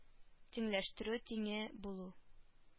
Тиңләштерү тиң е булу